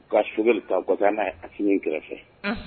Ka sokɛ bɛ taa n'a a sini in kɛrɛfɛ